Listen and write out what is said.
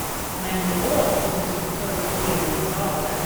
Men i år, to tusen og tolv, tror jeg vi klarer det.